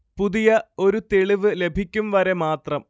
പുതിയ ഒരു തെളിവ് ലഭിക്കും വരെ മാത്രം